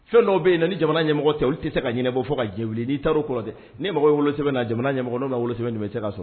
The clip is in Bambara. Fɛn dɔw bɛ yen nɔ ni jamana ɲɛmɔgɔ tɛ olu tɛ se ka ɲɛnabɔ fɔ ka diɲɛ wuli, n'i taar'o ko la, n'i mako bɛ wolosɛbɛn na jamana ɲɛmɔgɔ n'o ma wolo sɛbɛn d'i ma i tɛ se k'a sɔrɔ.